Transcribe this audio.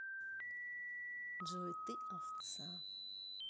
джой ты овца